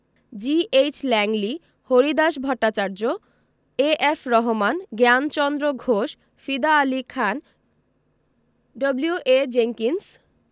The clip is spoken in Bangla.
G H Langley Haridas Bhattacharya A F Rahman Gyanchandra Ghosh Fida Ali Khan W A Jenkins